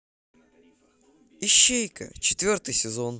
ищейка четвертый сезон